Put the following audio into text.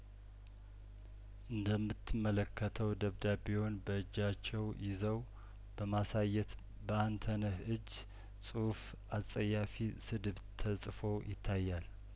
እንደምትመለከተው ደብዳቤውን በእጃቸው ይዘው በማሳየት በአንተነህ እጅ ጽሁፍ አጸያፊ ስድብ ተጽፎይታያል